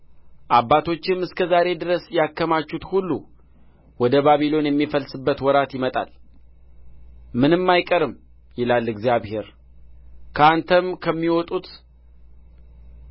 አባቶችህም እስከ ዛሬ ድረስ ያከማቹት ሁሉ ወደ ባቢሎን የሚፈልስበት ወራት ይመጣል ምንም አይቀርም ይላል እግዚአብሔር ከአንተም ከሚወጡት